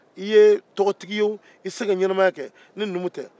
i ye tɔgɔtigi ye wo i tɛ se ka ɲɛnamaya kɛ ni numu tɛ